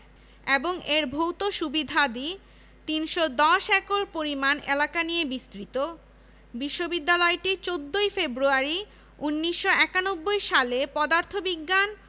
এবং বাইরের লোকজনের জন্য বিভিন্ন কোর্স অফার করে স্নাতক শিক্ষার্থী এবং শিক্ষকদের তৈরি করা বিভিন্ন গবেষণা প্রোগ্রামের জন্য সাবিপ্রবি এর স্নাতক পর্যায়ের প্রগ্রামগুলি ইতোমধ্যে খ্যাতি অর্জন করেছে